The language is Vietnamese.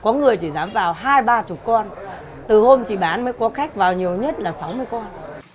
có người chỉ dám vào hai ba chục con từ hôm chị bán mới của khách vào nhiều nhất là sáu mươi con